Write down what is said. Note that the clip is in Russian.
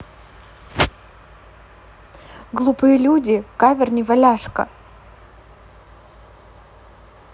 глупые люди кавер неваляшка